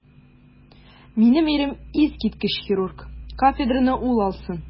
Минем ирем - искиткеч хирург, кафедраны ул алсын.